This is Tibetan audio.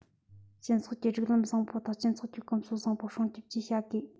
སྤྱི ཚོགས ཀྱི སྒྲིག ལམ བཟང པོ དང སྤྱི ཚོགས ཀྱི གོམས སྲོལ བཟང པོ སྲུང སྐྱོབ བཅས བྱ དགོས